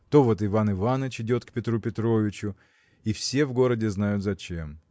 То вот Иван Иваныч идет к Петру Петровичу – и все в городе знают зачем.